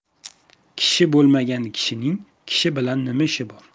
kishi bo'lmagan kishining kishi bilan nima ishi bor